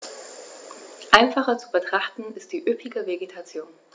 Einfacher zu betrachten ist die üppige Vegetation.